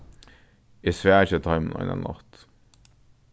eg svav hjá teimum eina nátt